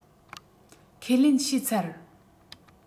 ཁས ལེན བྱས ཚར